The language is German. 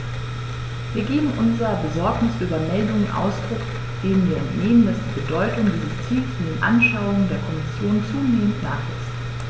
Wir geben unserer Besorgnis über Meldungen Ausdruck, denen wir entnehmen, dass die Bedeutung dieses Ziels in den Anschauungen der Kommission zunehmend nachlässt.